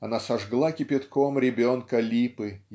она сожгла кипятком ребенка Липы